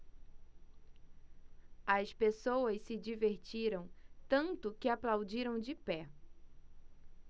as pessoas se divertiram tanto que aplaudiram de pé